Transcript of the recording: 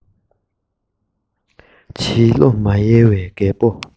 བྱིས བློ མ ཡལ བའི རྒད པོ